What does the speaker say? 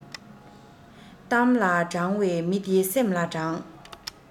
གཏམ ལ དྲང བའི མི དེ སེམས ལ དྲང